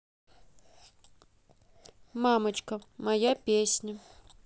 мамочка моя песня